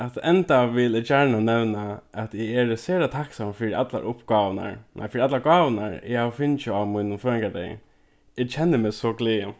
at enda vil eg gjarna nevna at eg eri sera takksamur fyri alla uppgávurnar nei fyri allar gávurnar eg havi fingið á mínum føðingardegi eg kenni meg so glaðan